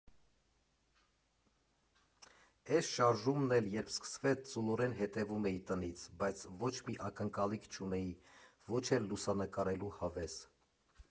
Էս շարժումն էլ երբ սկսվեց, ծուլորեն հետևում էի տնից, բայց ոչ մի ակնկալիք չունեի, ոչ էլ լուսանկարելու հավես։